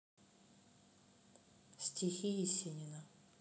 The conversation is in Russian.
стихи есенина